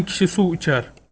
ming kishi suv ichar